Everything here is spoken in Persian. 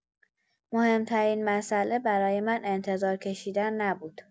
مهم‌ترین مساله برای من انتظار کشیدن نبود.